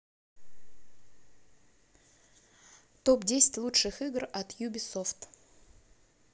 топ десять лучших игр от юбисофт